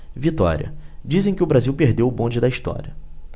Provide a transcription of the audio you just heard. vitória dizem que o brasil perdeu o bonde da história